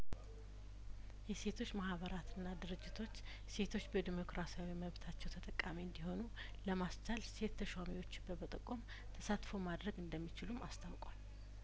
የሴቶች ማህበራትና ድርጅቶች ሴቶች በዴሞክራሲያዊ መብታቸው ተጠቃሚ እንዲሆኑ ለማስቻል ሴት ተሿሚዎችን በመጠቆም ተሳትፎ ማድረግ እንደሚችሉም አስታውቋል